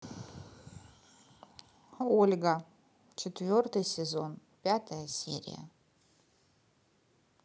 ольга четвертый сезон пятая серия